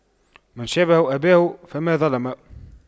من شابه أباه فما ظلم